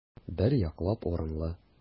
Бер яклап урынлы.